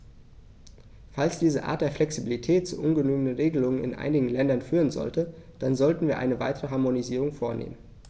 Falls diese Art der Flexibilität zu ungenügenden Regelungen in einigen Ländern führen sollte, dann sollten wir eine weitere Harmonisierung vornehmen.